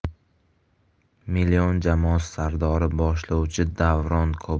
million jamoasi sardori boshlovchi davron kabulov